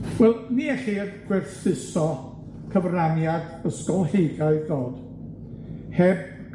Wel, ni ellir gwerthuso cyfraniad ysgolheigaidd Dodd, heb